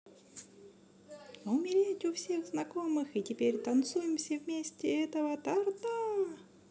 умереть у всех знакомых и теперь танцуем все вместе этого торта